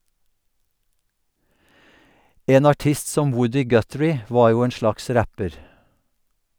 En artist som Woody Guthrie var jo en slags rapper.